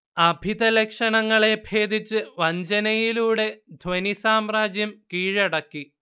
അഭിധ ലക്ഷണങ്ങളെ ഭേദിച്ച് വഞ്ജനയിലൂടെ ധ്വനിസാമ്രാജ്യം കീഴടക്കി